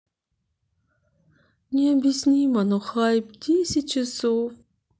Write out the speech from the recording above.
необъяснимо но хайп десять часов